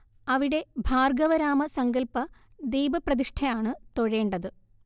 അവിടെ ഭാർഗ്ഗവരാമ സങ്കല്പ ദീപപ്രതിഷ്ഠയാണ് തൊഴേണ്ടത്